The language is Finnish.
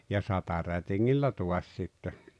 ja satarätingillä taas sitten